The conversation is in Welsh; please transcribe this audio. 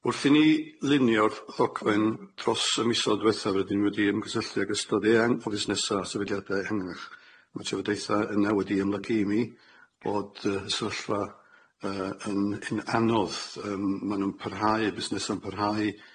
Wrth i ni linio'r ff- ddogfen dros y misoedd diwethaf rydym wedi ymgysylltu ag ystod eang o fusnesa sefydliade ehangach ma' trafodaetha yna wedi ymlygu i mi bod yy sefyllfa yy yn- un anodd yym ma' nw'n parhau y busnesa'n parhau.